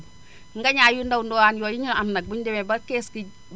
ngañaay yu ndaw ndawaan yooyu ñu am nag buñu demee ba kees gi